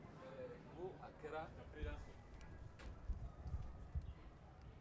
jɛnabɔli